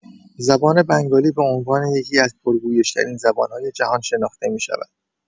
زبان بنگالی به عنوان یکی‌از پرگویش‌ترین زبان‌های جهان شناخته می‌شود.